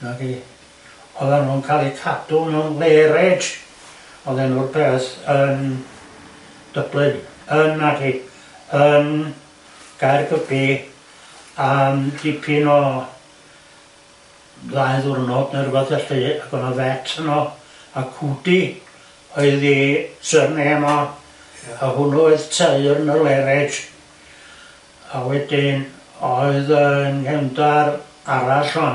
wyddoch chi... o'ddan n'w'n ca'l eu cadw mewn lairage o'dd enw'r peth yn Dublin yn naci yn Gaergybi am dipyn o... ddau ddwrnod neu wbath felly ac o'dd 'na vet yno a o'dd i surname o a hwnnw o'dd teyrn y lairage a wedyn o'dd yng nghefndar arall ŵan